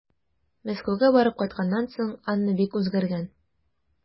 Мәскәүгә барып кайтканнан соң Анна бик үзгәргән.